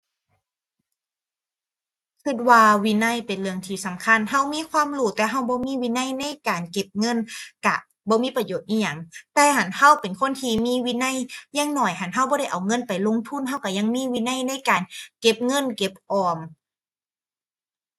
คิดว่าวินัยเป็นเรื่องที่สำคัญ คิดมีความรู้แต่คิดบ่มีวินัยในการเก็บเงินคิดบ่มีประโยชน์อิหยัง แต่หั้นคิดเป็นคนที่มีวินัย อย่างน้อยหั้นคิดบ่ได้เอาเงินไปลงทุน คิดคิดยังมีวินัยในการเก็บเงินเก็บออม